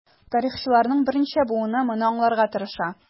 Тарихчыларның берничә буыны моны аңларга тырыша.